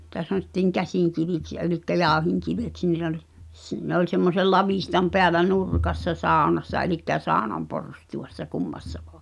niitä sanottiin käsinkiviksi ja eli jauhinkiveksi niitä oli - ne oli semmoisen lavitsan päällä nurkassa saunassa eli saunan porstuassa kummassa vain